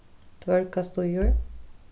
dvørgastígur